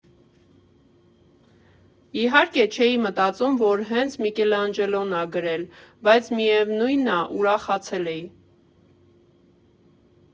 Իհարկե, չէի մտածում, որ հենց Միքելանջելոն ա գրել, բայց միևնույն ա՝ ուրախացել էի։